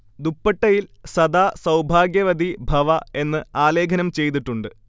ദുപ്പട്ടയിൽ സദാ സൗഭാഗ്യവതി ഭവഃ എന്ന് ആലേഖനം ചെയ്തിട്ടുണ്ട്